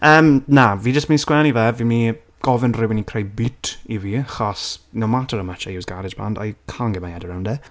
Yym na, fi jyst mynd i sgwennu fe, fi'n mynd i gofyn rywun i creu beat i fi, chos, no matter how much I use GarageBand, I can't get my head around it.